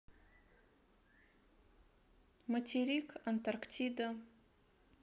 материк антарктида